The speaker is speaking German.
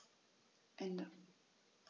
Ende.